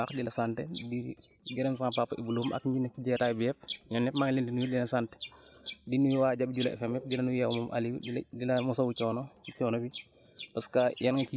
maa ngi lay nuyu bu baax di la sant di gërëm sama papa Ibou Loum ak ñi nekk si jotaay bi yëpp yéen ñëpp maa ngi leen di nuyu di leen sant di nuyu waa Jabi jula FM yëpp di la nuyu yow Aliou di la di la masawu coono si coono bi